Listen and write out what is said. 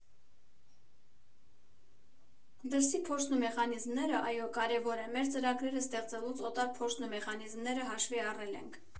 Դրսի փորձն ու մեխանիզմները, այո, կարևոր են, մեր ծրագրերը ստեղծելուց օտար փորձն ու մեխանիզմները հաշվի առել ենք։